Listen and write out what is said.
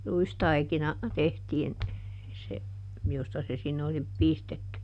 ruistaikina tehtiin se josta se sinne oli pistetty